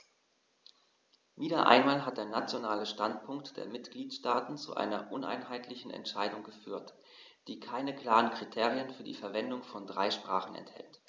Wieder einmal hat der nationale Standpunkt der Mitgliedsstaaten zu einer uneinheitlichen Entscheidung geführt, die keine klaren Kriterien für die Verwendung von drei Sprachen enthält.